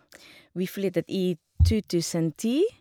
Vi flyttet i to tusen ti.